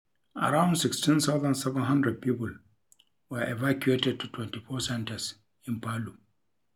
Around 16,700 people were evacuated to 24 centers in Palu.